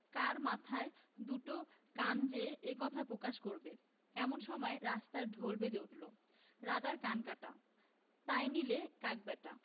কার মাথায় দুটো কান যে এ কথা প্রকাশ করবে এমন সময় রাস্তায় ঢোল বেজে উঠল ‘রাজার কান কাটা তাই নিলে কাক ব্যাটা